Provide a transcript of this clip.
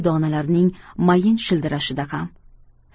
donalarining mayin shildirashida ham